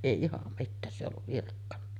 ei ihan mitään se ollut virkkonut